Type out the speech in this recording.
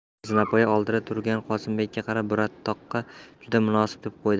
bobur zinapoya oldida turgan qosimbekka qarab buratoqqa juda munosib deb qo'ydi